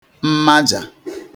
mmajà